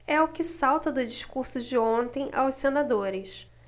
é o que salta do discurso de ontem aos senadores